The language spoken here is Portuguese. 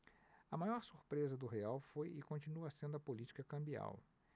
a maior surpresa do real foi e continua sendo a política cambial